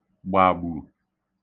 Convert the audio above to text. gbàgbù